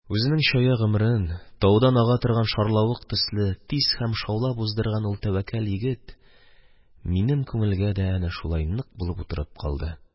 Үзенең чая гомерен таудан ага торган шарлавык төсле тиз һәм шаулап уздырган ул тәвәккәл егет минем күңелгә дә әнә шулай нык булып утырып калды.